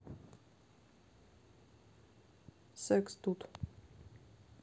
секс тут